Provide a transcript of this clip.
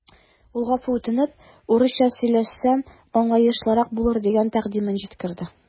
Ул гафу үтенеп, урысча сөйләсәм, аңлаешлырак булыр дигән тәкъдимен җиткерде.